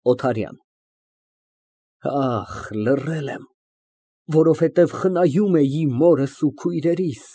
ՕԹԱՐՅԱՆ ֊ Ախ, լռել եմ, որովհետև խնամում էի մորս ու քույրերիս։